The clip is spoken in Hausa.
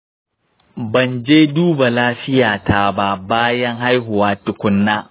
ban je duba lafiya ta ba bayan haihuwa tukunna.